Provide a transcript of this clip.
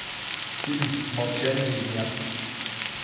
фильм молчание ягнят